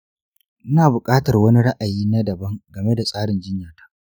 ina buƙatar wani ra'ayi na daban game da tsarin jinyata.